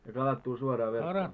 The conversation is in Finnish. ja kalat tuli suoraan verkkoon